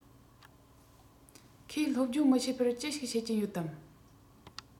ཁོས སློབ སྦྱོང མི བྱེད པར ཅི ཞིག བྱེད ཀྱིན ཡོད དམ